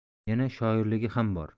yana shoirligi ham bor